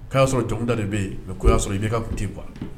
A' y'a sɔrɔ jɔnda de bɛ yen mɛ koya sɔrɔ i bɛ ka kun tɛ kuwa